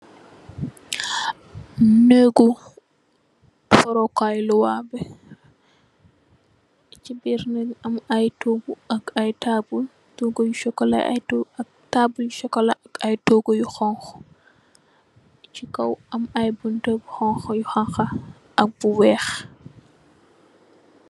Neegu defaru kai luwa bi si birr neeg bi am ay togu ak ey tabul togu yu chocola ak toyu tabul yu chocola ak ay togu yu xonxo si kaw am ay bunta xana ak bu weex.